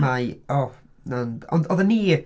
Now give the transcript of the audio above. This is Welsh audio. Mae o na, ond oedden ni...